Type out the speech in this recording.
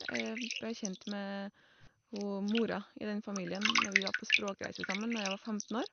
Jeg ble kjent med hun mora i den familien når vi var på språkreise sammen når jeg var femten år.